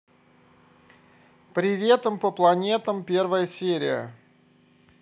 приветом по планетам первая серия